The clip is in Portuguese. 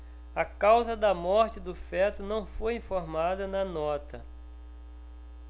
a causa da morte do feto não foi informada na nota